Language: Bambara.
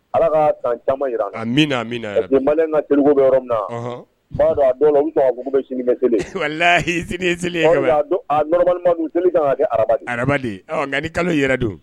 Ala ka caman jira yɔrɔ min nainin mɛ kalo yɛrɛ don